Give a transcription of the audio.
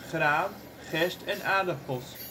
graan, gerst en aardappels